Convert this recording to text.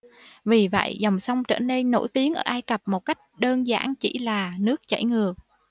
vì vậy dòng sông trở nên nổi tiếng ở ai cập một cách đơn giản chỉ là nước chảy ngược